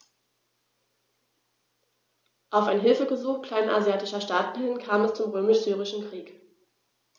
Auf ein Hilfegesuch kleinasiatischer Staaten hin kam es zum Römisch-Syrischen Krieg.